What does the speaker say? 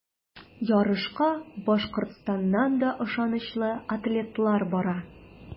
Ярышка Башкортстаннан да ышанычлы атлетлар бара.